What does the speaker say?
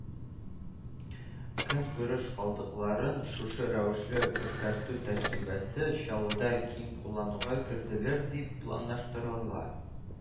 Көнкүреш калдыкларын шушы рәвешле эшкәртү тәҗрибәсе Чаллыда киң куллануга кертелер дип планлаштырыла